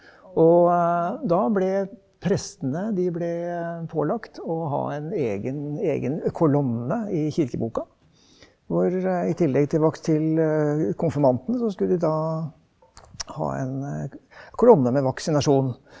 og da ble prestene de ble pålagt å ha en egen egen kolonne i kirkeboka hvor i tillegg til til konfirmanten så skulle de da ha en kolonne med vaksinasjon.